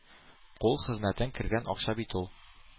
Кул хезмәтең кергән акча бит ул.